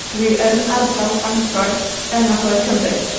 Dwi yn ardal Bangor yng ngogledd Cymru.